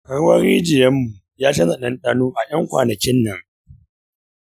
ruwan rijiyarmu ya canja ɗanɗano a ƴan kwanakin nan.